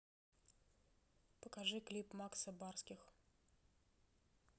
покажи клип макса барских